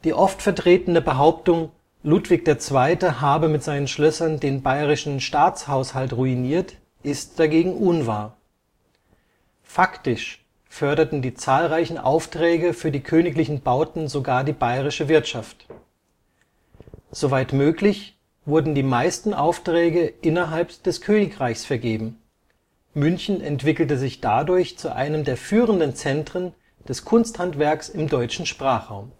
oft vertretene Behauptung, Ludwig II. habe mit seinen Schlössern den bayerischen Staatshaushalt ruiniert, ist dagegen unwahr. Faktisch förderten die zahlreichen Aufträge für die königlichen Bauten sogar die bayerische Wirtschaft. Soweit möglich, wurden die meisten Aufträge innerhalb des Königreichs vergeben, München entwickelte sich dadurch zu einem der führenden Zentren des Kunsthandwerks im deutschen Sprachraum